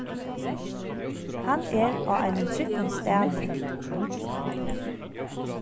hann er á einum tryggum stað nú